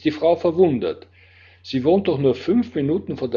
Frau verwundert: sie wohnt doch nur fünf Minuten von